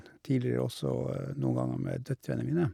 Tidligere også noen ganger med døtrene mine.